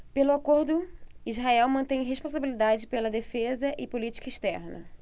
pelo acordo israel mantém responsabilidade pela defesa e política externa